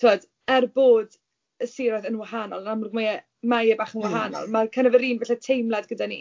Tibod, er bod y siroedd yn wahanol yn amlwg, mae e mae e bach yn wahanol, mae kind of falle yr un teimlad gyda ni